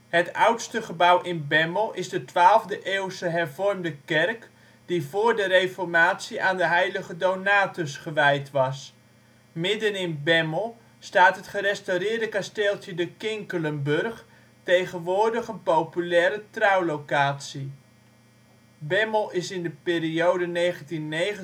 Het oudste gebouw in Bemmel is de 12de-eeuwse hervormde kerk, die vóór de reformatie aan de heilige Donatus gewijd was. Midden in Bemmel staat het gerestaureerde kasteeltje De Kinkelenburg, tegenwoordig een populaire trouwlocatie. Bemmel is in de periode 1990-2006